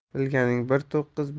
bilganing bir to'qqiz